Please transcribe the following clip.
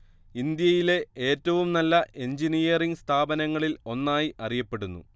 ഇന്ത്യയിലെ ഏറ്റവും നല്ല എഞ്ചിനീയറിങ് സ്ഥാപനങ്ങളിൽ ഒന്നായി അറിയപ്പെടുന്നു